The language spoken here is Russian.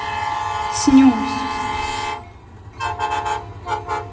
снюс